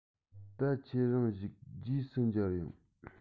ད ཁྱེད རང བཞུགས རྗེས སུ མཇལ ཡོང